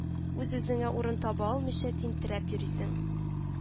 Үз-үзеңә урын таба алмыйча тинтерәп йөрисең